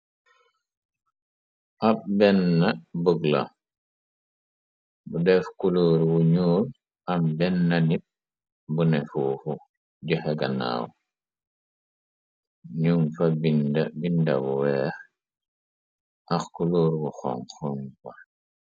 Ab benn bogla bu def kuluor wu ñuul am benna nip bune fuuxu joxe ganaaw num fa bindab weex ax kuluor bu xon xonka.